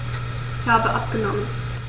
Ich habe abgenommen.